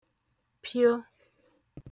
pio